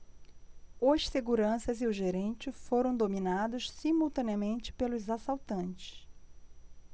os seguranças e o gerente foram dominados simultaneamente pelos assaltantes